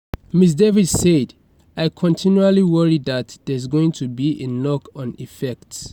Ms Davis said: "I continually worry that there's going to be a knock on effect."